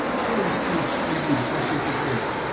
- Совесть мучить не будет, Василий Петрович.